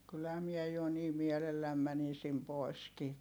kyllähän minä jo niin mielelläni menisin poiskin